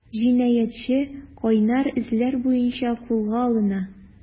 Җинаятьче “кайнар эзләр” буенча кулга алына.